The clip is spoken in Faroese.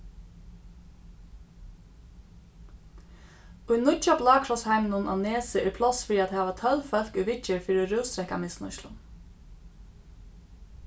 í nýggja blákrossheiminum á nesi er pláss fyri at hava tólv fólk í viðgerð fyri rúsdrekkamisnýtslu